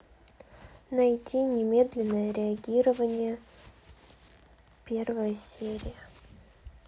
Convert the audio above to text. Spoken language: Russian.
найди немедленное реагирование первая серия